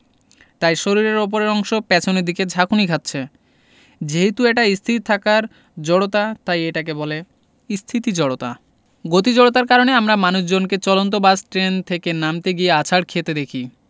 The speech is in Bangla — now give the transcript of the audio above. তাই শরীরের ওপরের অংশ পেছনের দিকে ঝাঁকুনি খাচ্ছে যেহেতু এটা স্থির থাকার জড়তা তাই এটাকে বলে স্থিতি জড়তা গতি জড়তার কারণে আমরা মানুষজনকে চলন্ত বাস ট্রেন থেকে নামতে গিয়ে আছাড় খেতে দেখি